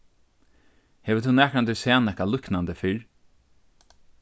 hevur tú nakrantíð sæð nakað líknandi fyrr